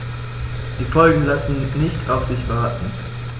Die Folgen lassen nicht auf sich warten.